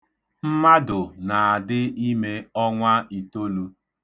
Mmadụ na-adị ime ọnwa itolu.